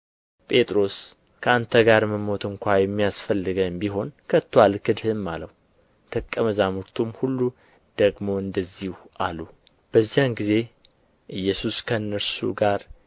ጴጥሮስ ከአንተ ጋር መሞት እንኳ የሚያስፈልገኝ ቢሆን ከቶ አልክድህም አለው ደቀ መዛሙርቱ ሁሉ ደግሞ እንደዚሁ አሉ በዚያን ጊዜ ኢየሱስ ከእነርሱ ጋር